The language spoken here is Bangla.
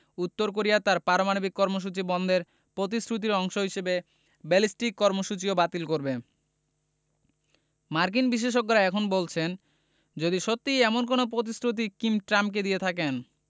উত্তর কোরিয়া তার পারমাণবিক কর্মসূচি বন্ধের প্রতিশ্রুতির অংশ হিসেবে ব্যালিস্টিক কর্মসূচিও বাতিল করবে মার্কিন বিশেষজ্ঞেরা এখন বলছেন যদি সত্যি এমন কোনো প্রতিশ্রুতি কিম ট্রাম্পকে দিয়ে থাকেন